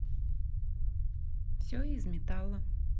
все из металла